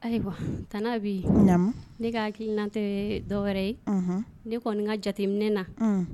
Ayiwa tana bi ne ka kiinatɛ dɔw wɛrɛ ne kɔni ka jateminɛ na